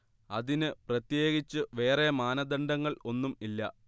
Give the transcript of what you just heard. അതിന് പ്രത്യേകിച്ച് വേറേ മാനദണ്ഡങ്ങൾ ഒന്നും ഇല്ല